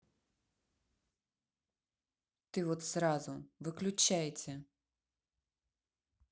ты вот сразу выключайте